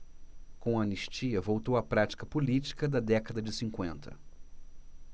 com a anistia voltou a prática política da década de cinquenta